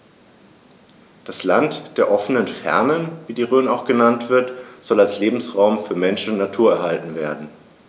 Das „Land der offenen Fernen“, wie die Rhön auch genannt wird, soll als Lebensraum für Mensch und Natur erhalten werden.